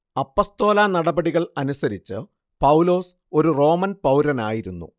അപ്പസ്തോലനടപടികൾ അനുസരിച്ച് പൗലോസ് ഒരു റോമൻ പൗരനായിരുന്നു